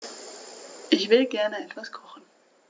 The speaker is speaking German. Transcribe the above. Ich will gerne etwas kochen.